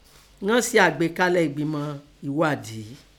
Inan se àgbékalẹ̀ ẹ̀gbìmọ̀ ẹ̀ghadìí.